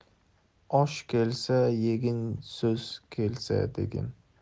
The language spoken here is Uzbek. osh kelsa yegin so'z kelsa degin